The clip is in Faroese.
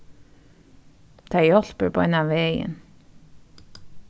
tað hjálpir beinan vegin